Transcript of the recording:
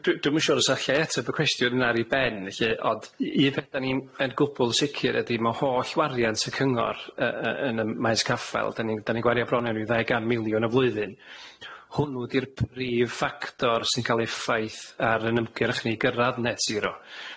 Ia d- d- dwi'm yn siŵr os allai ateb y cwestiwn yna ar 'i ben lly ond un peth 'da ni'n yn gwbwl sicir ydi ma' holl wariant y cyngor yy yy yn y maes caffel, 'da ni'n 'da ni'n gwario bron iawn i ddau gan miliwn y flwyddyn, hwnnw di'r prif factor sy'n ca'l effaith ar yn ymgyrch ni gyrradd net zero.